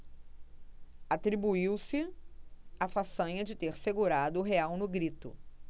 atribuiu-se a façanha de ter segurado o real no grito